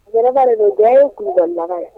Gba de don diya ye kuru daga